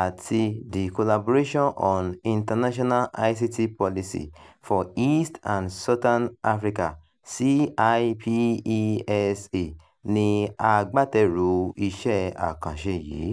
àti The Collaboration on International ICT Policy for East and Southern Africa (CIPESA) ni agbátẹrù iṣẹ́ àkànṣe yìí.